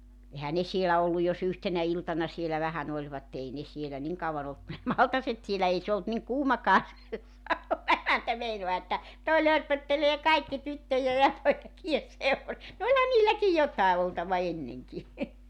eihän ne siellä ollut jos yhtenä iltana siellä vähän olivat ei ne siellä niin kauan ollut kuin ne maltaat siellä ei se ollut niin kuumakaan se sauna emäntä meinaa että tuo lörpöttelee kaikki tyttöjen ja poikien - no olihan niilläkin jotakin oltava ennenkin